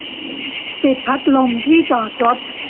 ปิดพัดลมที่จอดรถ